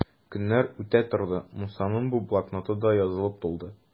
Көннәр үтә торды, Мусаның бу блокноты да язылып тулды.